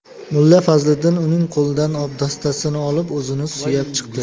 mulla fazliddin uning qo'lidan obdastasini olib o'zini suyab chiqdi